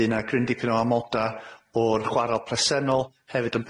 fydd 'na gryn dipyn o amoda o'r chwarel presennol hefyd yn